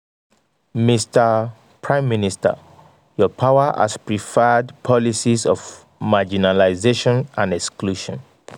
Mister prime minister, your power has preferred policies of marginalization and exclusion.